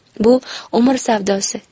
bu umr savdosi